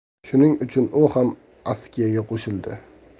shuning uchun u ham askiyaga qo'shildi